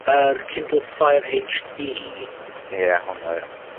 Yr Kindle Fire heich dee. Ia honnw o ia.